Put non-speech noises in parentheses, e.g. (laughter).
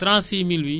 (hesitation) (hesitation)